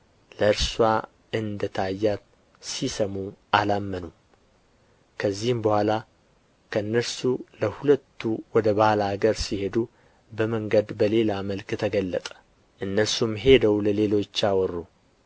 ለእርስዋም እንደ ታያት ሲሰሙ አላመኑም ከዚህም በኋላ ከእነርሱ ለሁለቱ ወደ ባላገር ሲሄዱ በመንገድ በሌላ መልክ ተገለጠ እነርሱም ሄደው ለሌሎቹ አወሩ